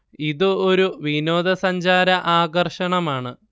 ഇത് ഒരു വിനോദ സഞ്ചാര ആകർഷണമാണ്